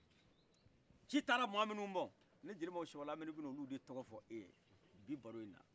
ci taara mɔgɔ minuma ne jeli mamadu seba lamini bɛna o de fɔ iye dans cette histoire